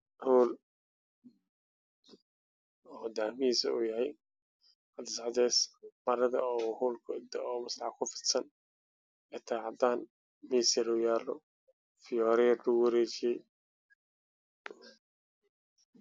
Waa hool oo daah yadiisa yahay caddaan